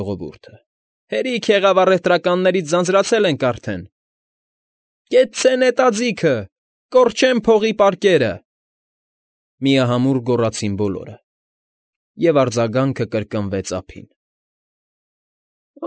Ժողովուրդը,֊ հերիք եղավ, առևտրականներից ձանձրացել ենք արդեն։ ֊ Կեցցե նետաձիգը, կորչեն փողի պարկերը…֊ միահամուռ գոչեցին բոլորը, և արձագանքը կրկնվեց ափին։ ֊